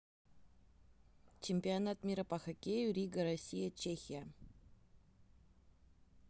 чемпионат мира по хоккею рига россия чехия